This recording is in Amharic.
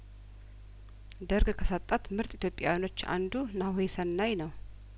ደርግ ካሳጣን ምርጥ ኢትዮጵያውያኖች አንዱ ናሆሰናይ ነው